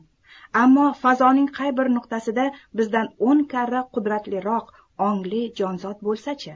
ammo fazoning qay bir nuqtasida bizdan o'n karra qudratliroq ongli jonzot bo'lsa chi